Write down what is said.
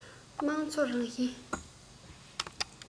མང ཚོགས རང བཞིན